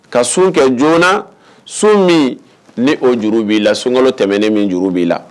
Ka sun kɛ joona, sun min ni o juru b'i la sunkalo tɛmɛnen min juru b'i la.